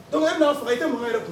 Donc e m'a faga, e tɛ Mama yɛrɛ